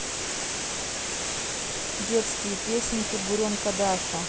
детские песенки буренка даша